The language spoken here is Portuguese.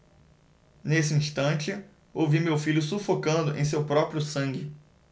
nesse instante ouvi meu filho sufocando em seu próprio sangue